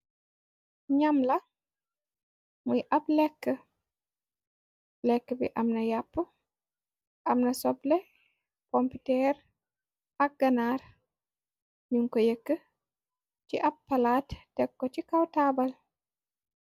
Nyam la muy ab lekk lekk bi amna yàpp. Amna soble pomputër ak ganaar. Nyun ko yekk ci ab palaat tekko ci kawtaabal.